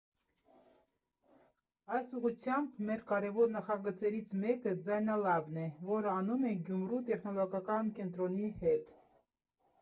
Այս ուղղությամբ մեր կարևոր նախագծերից մեկը Ձայնալաբն է, որն անում ենք Գյումրու տեխնոլոգիական կենտրոնի հետ։